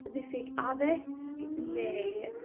ddiffyg addysg neu